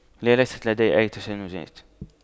لا ليست لدي أي تشنجات